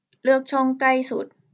เลือกช่องใกล้สุด